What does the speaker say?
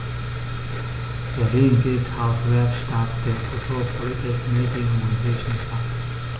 Berlin gilt als Weltstadt der Kultur, Politik, Medien und Wissenschaften.